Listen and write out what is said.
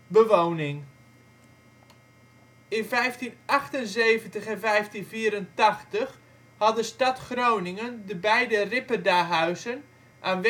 In 1578 en 1584 had de stad Groningen de beide Ripperdahuizen aan